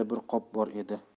bir qop bor edi